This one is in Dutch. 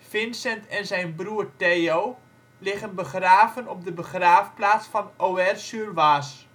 Vincent en zijn broer Theo liggen begraven op de begraafplaats van Auvers-sur-Oise